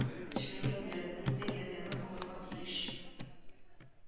Эшмәкәрләрнең дә ярдәме булырга тиеш